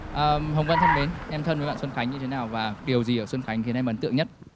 ờm hồng vân thân mến em thân với bạn xuân khánh như thế nào và điều gì ở xuân khánh khiến em ấn tượng nhất